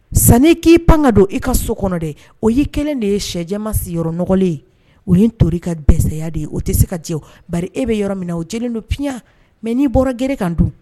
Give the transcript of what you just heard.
Sani k'i pan ka don i ka so kɔnɔ dɛ o ye kelen de ye shɛjanma siyɔrɔ nɔgɔlen ye o ye n to ka dɛsɛya de ye o tɛ se ka jɛ ba e bɛ yɔrɔ min o j don p mɛ n'i bɔra gele kan don